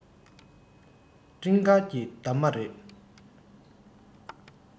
སྤྲིན དཀར གྱི འདབ མ རེད